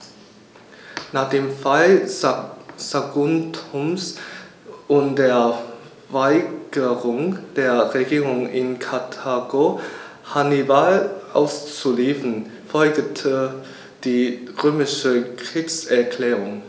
Nach dem Fall Saguntums und der Weigerung der Regierung in Karthago, Hannibal auszuliefern, folgte die römische Kriegserklärung.